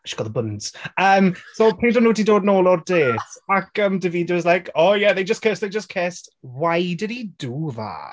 She's got the buns. Yym so, pryd oedden nhw 'di dod nôl o'r dêt, ac yym, Davide was like, "Oh yeah they just kissed, they just kissed!" Why did he do that?